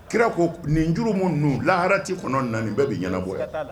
Kira ko nin juru minnu ninnu laharati kɔnɔ na bɛɛ bɛ ɲɛnabɔ